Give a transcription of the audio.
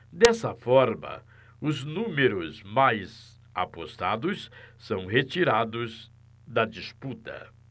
dessa forma os números mais apostados são retirados da disputa